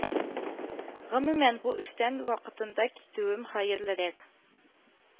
Гомумән, бу эштән вакытында китүем хәерлерәк